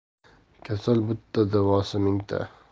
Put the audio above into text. kasal bitta davosi mingta